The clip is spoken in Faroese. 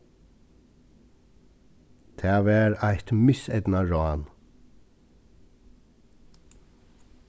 tað var eitt miseydnað rán